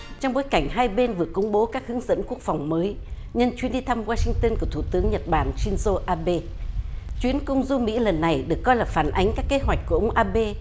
trong bối cảnh hai bên vừa công bố các hướng dẫn quốc phòng mới nhân chuyến đi thăm goa sinh tưn của thủ tướng nhật bản sin dô a bê chuyến công du mỹ lần này được coi là phản ánh các kế hoạch của ông a bê